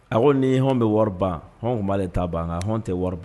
A ko ni hɔn bɛ wari ban hɔn tun b'ale ta ban nka hɔn tɛ wari ban!